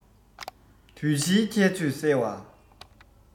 དུས བཞིའི ཁྱད ཆོས གསལ བ